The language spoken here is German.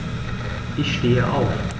Ich stehe auf.